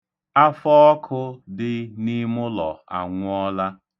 Afọọkụ dị n'imụlọ anwụọla.